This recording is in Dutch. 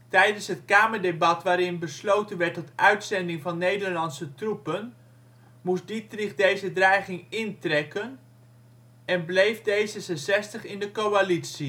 Tijdens het kamerdebat waarin besloten werd tot uitzending van Nederlandse troepen, moest Dittrich deze dreiging intrekken en bleef D66 in de coalitie